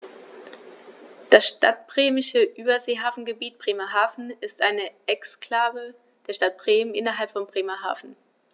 Das Stadtbremische Überseehafengebiet Bremerhaven ist eine Exklave der Stadt Bremen innerhalb von Bremerhaven.